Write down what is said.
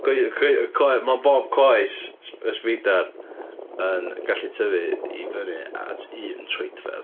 Coe- coe- coe-, ma' bob coes s- y sbeidar yn gallu tyfu i fyny at 1 troedfedd.